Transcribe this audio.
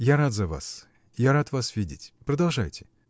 я рад за вас, я рад вас видеть продолжайте.